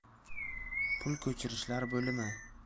pul ko'chirishlar bo'limi